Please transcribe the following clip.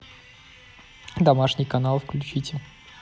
домашний канал включите